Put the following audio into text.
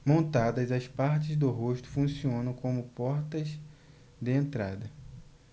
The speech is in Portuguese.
montadas as partes do rosto funcionam como portas de entrada